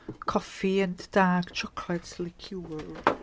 Coffee and dark chocolate liqueur